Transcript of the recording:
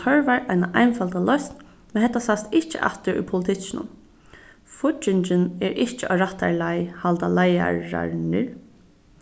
tørvar eina einfalda loysn men hetta sæst ikki aftur í politikkinum fíggingin er ikki á rættari leið halda leiðararnir